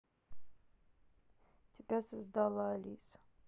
тебя создала алиса